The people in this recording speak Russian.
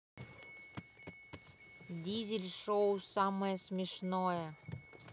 дизель шоу самое смешное